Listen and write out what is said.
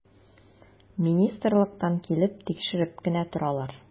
Министрлыктан килеп тикшереп кенә торалар.